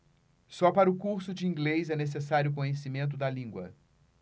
só para o curso de inglês é necessário conhecimento da língua